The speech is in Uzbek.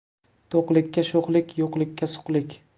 to'qlikka sho'xlik yo'qlikka suqlik